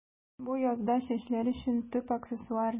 Бу язда чәчләр өчен төп аксессуар нинди?